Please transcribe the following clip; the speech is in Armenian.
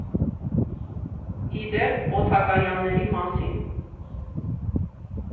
Ի դեպ, օդակայանների մասին։